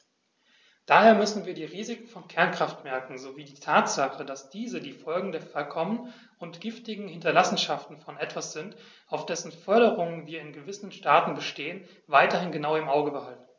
Daher müssen wir die Risiken von Kernkraftwerken sowie die Tatsache, dass diese die Folgen der verkommenen und giftigen Hinterlassenschaften von etwas sind, auf dessen Förderung wir in gewissen Staaten bestehen, weiterhin genau im Auge behalten.